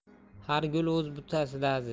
har gul o'z butasida aziz